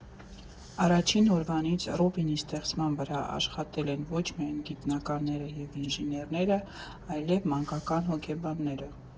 Առաջին օրվանից Ռոբինի ստեղծման վրա աշխատել են ոչ միայն գիտնականներ և ինժեներներ, այլև մանկական հոգեբաններ։